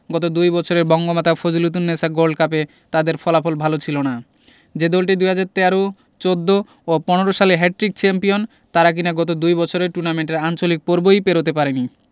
গত দুই বছরে বঙ্গমাতা ফজিলাতুন্নেছা গোল্ড কাপে তাদের ফলাফল ভালো ছিল না যে দলটি ২০১৩ ২০১৪ ও ২০১৫ সালে হ্যাটট্রিক চ্যাম্পিয়ন তারা কিনা গত দুই বছরে টুর্নামেন্টের আঞ্চলিক পর্বই পেরোতে পারেনি